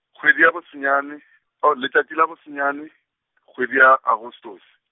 kgwedi ya bo senyane, oh letšatši la bo senyane , kgwedi ya Agostose.